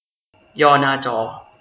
ย่อหน้าจอ